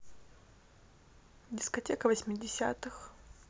дискотека восьмидесятых